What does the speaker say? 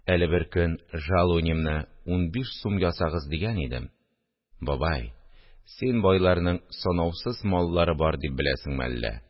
Әле беркөн, жалуньямне унбиш сум ясагыз, дигән идем: – Бабай, син байларның санаусыз маллары бар дип беләсеңме әллә